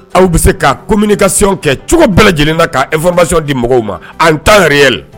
Aw bɛ se ka kominikasiw kɛ cogo bɛɛ lajɛlen na ka epmay di mɔgɔw ma an taa yɛrɛy la